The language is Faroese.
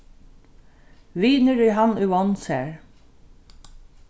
vinur er hann ið vomm sær